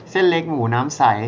เส้นเล็กหมูน้ำใส